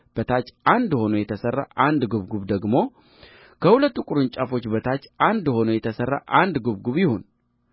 በታች አንድ ሆኖ የተሠራ አንድ ጕብጕብ ደግሞ ከሁለት ቅርንጫፎች በታች አንድ ሆኖ የተሠራ አንድ ጕብጕብ ይሁን